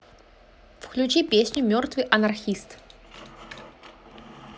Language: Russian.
включи песню мертвый анархист